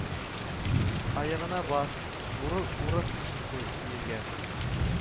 Аягыңа бас, горур урыс кешесе, диелгән